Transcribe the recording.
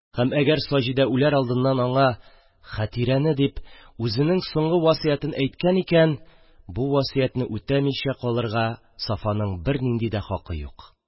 Һәм әгәр саҗидә үләр алдыннан аңа: «хәтирәне!..» – дип үзенең соңгы вәсиятен әйткән икән, бу вәсиятне үтәмичә калырга сафаның бернинди дә хакы юк.